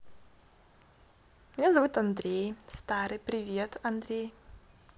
меня зовут андрей старый привет андрей